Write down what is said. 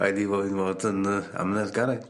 rhaid fi fo- fi mod yn yy amyneddgar ai?